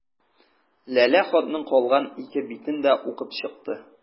Ләлә хатның калган ике битен дә укып чыкты.